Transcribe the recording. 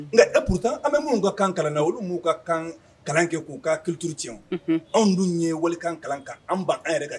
Nka e kutan an bɛ minnu ka kan kalan na olu'u ka kan kalan kɛ k'u kan kituuruti anw dun ɲɛ wali ka kalankan an' an yɛrɛ kan